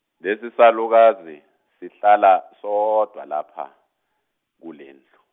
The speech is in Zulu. lesisalukazi sihlala sodwa lapha, kulendlu.